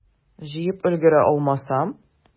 Җыеп өлгерә алмасам?